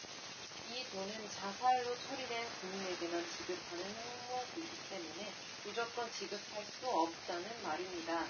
이 돈은 자살로 처리된 군인에게만 지급하는 항목이기 때문에 무조건 지급할 수 없다는 말입니다